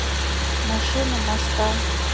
машина моста